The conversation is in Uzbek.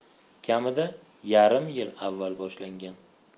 kamida yarim yil avval boshlangan